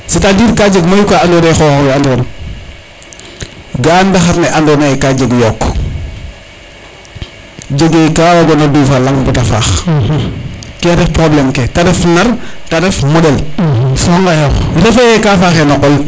c' est a dire ka jeg mayu ka ando naye qoxox we andi ran ga'a ndaxar ne ando naye ka jeg yooq jege ka wagona dufa laŋ bata faax ke ref probleme ek te ref nar te ref moɗel xo ngayox refe ye ka faxe no qol